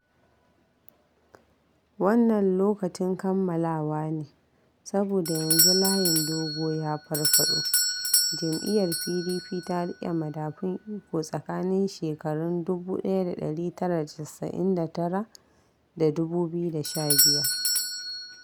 Wannan 'Lokacin Kammalawa ne' saboda yanzu layin dogo ya farfaɗo". Jam'iyyar PDP ta riƙe madafun iko tsakanin shekarun 1999 da 2015.